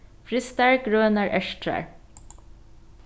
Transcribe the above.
frystar grønar ertrar